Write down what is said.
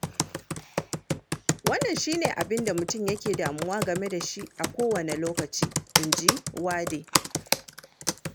“Wannan shi ne abinda mutum yake damuwa game da shi a kowanne loƙaci,” inji Wade.